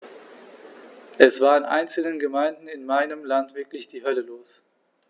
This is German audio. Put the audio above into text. Es war in einzelnen Gemeinden in meinem Land wirklich die Hölle los.